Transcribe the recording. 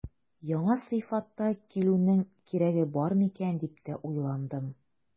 Яңа сыйфатта килүнең кирәге бар микән дип тә уйландым.